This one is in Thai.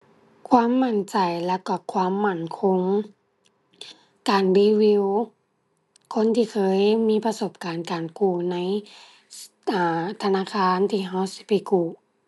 ความมั่นใจแล้วก็ความมั่นคง การรีวิว คนที่เคยมีประสบการณ์การกู้ใน อ่า ธนาคารที่ก็สิไปกู้